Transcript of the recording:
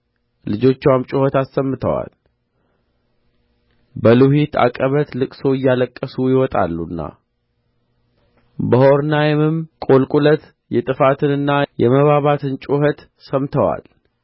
ልጆችዋም ጩኸትን አሰምተዋል በሉሒት ዓቀበት ልቅሶ እያለቀሱ ይወጣሉና በሖሮናይምም ቍልቍለት የጥፋትንና የመባባትን ጩኸት ሰምተዋል